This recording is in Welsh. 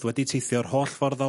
...wedi teithio'r holl ffordd o...